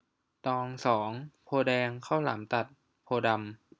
ตองสองโพธิ์แดงข้าวหลามตัดโพธิ์ดำ